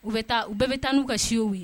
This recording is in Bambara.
U bɛ taa u bɛɛ bɛ taa n'u ka siw ye